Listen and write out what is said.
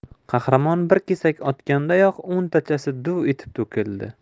qahramon bir kesak otgandayoq o'ntachasi duv etib to'kildi